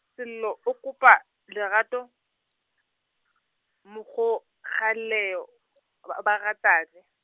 Sello o kopa, lerato, mo go, Galeyo , a- ba a ba ratane.